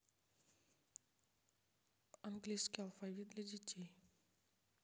английский алфавит для детей